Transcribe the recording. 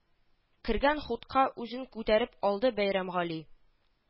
Кергән хутка үзен күтәреп алды Бәйрәмгали